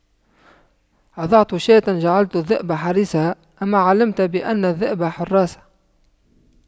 أضعت شاة جعلت الذئب حارسها أما علمت بأن الذئب حراس